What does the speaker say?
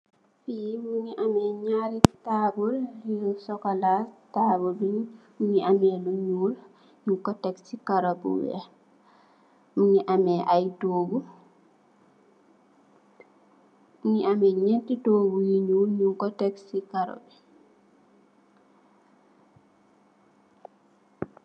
Fi mungi ameh nyarri tabul bu sokola tabul bi mungi ameh lu nyuul nyungko tek sey karo bu weih mungi ameh I togu mungi ameh nyeti togu yu nyuul nyungko tek sey karro bi.